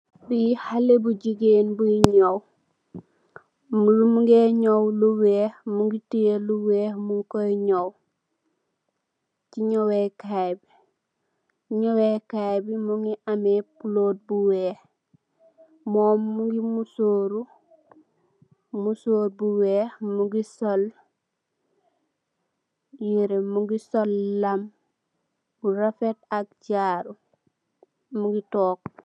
Bii xalé bu jigéen buy ñaw, mu ngee ñaw lu weex, mu ngi tiye lu weex, mu kooy ñaw. Ñawee kaay bi mu am kuloor bu weex. Mom mu ngi musoor u, musóor bu weex, mu ngi sol lam bu rafet ak jaaru.